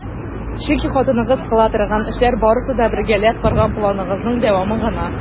Чөнки хатыныгыз кыла торган эшләр барысы да - бергәләп корган планыгызның дәвамы гына!